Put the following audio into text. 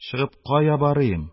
Чыгып, кая барыйм?